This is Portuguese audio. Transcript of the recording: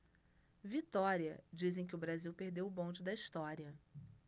vitória dizem que o brasil perdeu o bonde da história